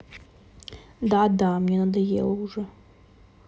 да да мне надоела уже